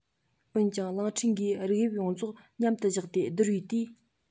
འོན ཀྱང གླིང ཕྲན འགའི རིགས དབྱིབས ཡོངས རྫོགས མཉམ དུ བཞག སྟེ བསྡུར པའི དུས